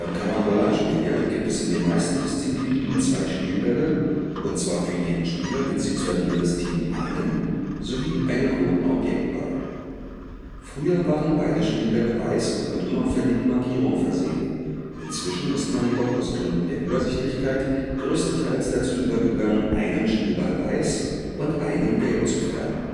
Carambolagebillard gibt es in den meisten Disziplinen nur zwei Spielbälle (für jeden Spieler bzw. jedes Team einen) und einen roten Objektball. Früher waren beide Spielbälle weiß und mit unauffälligen Markierungen versehen, inzwischen ist man jedoch aus Gründen der Übersichtlichkeit größtenteils dazu übergegangen, einen Spielball weiß und einen gelb zu färben